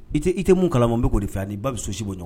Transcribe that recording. I tɛ i tɛ mun kalama bɛ' de fɛ yan n ni ba bɛ so si bɔɔn